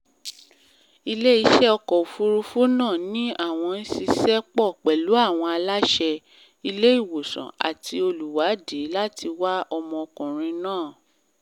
Ilé-iṣẹ́ ọkọ̀-òfúrufú náà ní àwọn ń ṣiṣẹ́ pọ̀ pẹ̀lú àwọn aláṣẹ, ilé-ìwòsaǹ àti olùwádìí láti wá ọmọkùnrin náà.